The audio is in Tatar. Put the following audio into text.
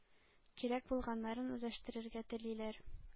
Кирәк булганнарын үзләштерергә телиләр.